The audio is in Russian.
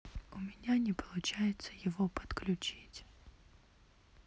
у меня не получается его подключить